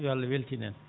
yo Allah weltin en